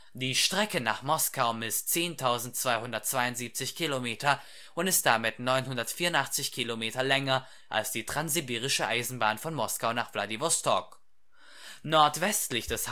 Die Strecke nach Moskau misst 10.272 km und ist damit 984 km länger als die Transsibirische Eisenbahn von Moskau nach Wladiwostok (9.288 km). Nordwestlich des Hauptbahnhofes